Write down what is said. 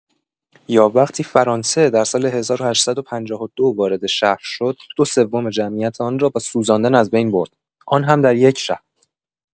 یا وقتی فرانسه در سال ۱۸۵۲ وارد شهر شد، دو سوم جمعیت آن را با سوزاندن از بین برد، آن هم در یک شب!